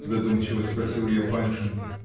-- задумчиво спросил ее Паншин.